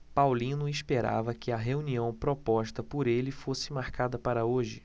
paulino esperava que a reunião proposta por ele fosse marcada para hoje